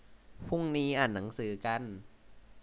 พรุ่งนี้อ่านหนังสือกัน